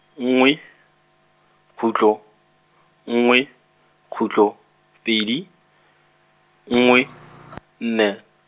nngwe, khutlo, nngwe, khutlo, pedi, nngwe, nne.